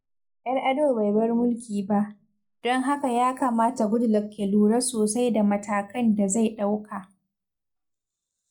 Yar'adua bai bar mulki ba, don haka ya kamata Goodluck ya lura sosai da matakan da zai ɗauka.